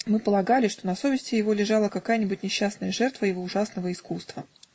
Мы полагали, что на совести его лежала какая-нибудь несчастная жертва его ужасного искусства.